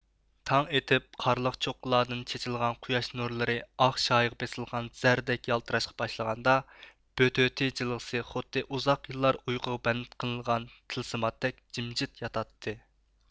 تاڭ ئېتىپ قارلىق چوققىلاردىن چېچىلغان قۇياش نۇرلىرى ئاق شايىغا بېسىلغان زەردەك يالتىراشقا باشلىغاندا بۆتۆتى جىلغىسى خۇددى ئۇزاق يىللار ئۇيقۇغا بەند قىلىنغان تىلسىماتتەك جىمجىت ياتاتتى